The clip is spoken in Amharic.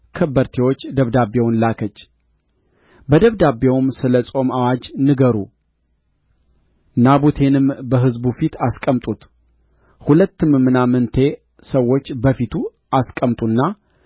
ከበርቴዎች ደብዳቤውን ላከች በደብዳቤውም ስለ ጾም አዋጅ ንገሩ ናቡቴንም በሕዝቡ ፊት አስቀምጡት ሁለትም ምናምንቴ ሰዎች በፊቱ አስቀምጡና